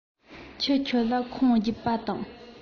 ཁྱི ཁྱོད ལ ཁུངས བརྒྱུད པ དང